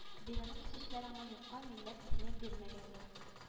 Бинаны төзүчеләр аңа юкка милләт исемен бирмәгәндер